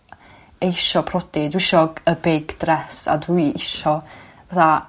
eisio prodi dwi isio g- y big dress a dwi isio fatha